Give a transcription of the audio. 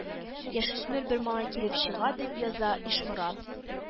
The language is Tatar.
Яшүсмер бер малай килеп чыга дип яза ишморат,